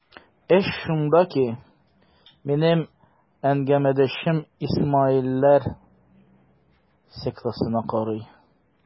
Эш шунда ки, минем әңгәмәдәшем исмаилләр сектасына карый.